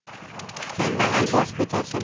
kambag'al bosh ko'tarsa